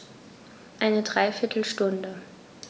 Eine dreiviertel Stunde